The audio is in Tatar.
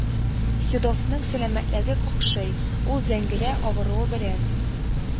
Седовның сәламәтлеге какшый, ул зәңгелә авыруы белән